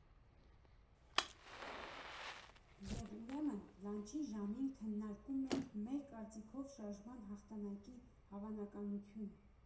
Եվ ուրեմն, լանչի ժամին քննարկում ենք մեր կարծիքով շարժման հաղթանակի հավանականությունը։